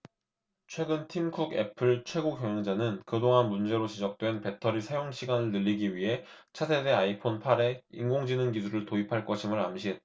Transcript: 최근 팀쿡 애플 최고경영자는 그동안 문제로 지적된 배터리 사용시간을 늘리기 위해 차세대 아이폰 팔 에 인공지능기술을 도입할 것임을 암시했다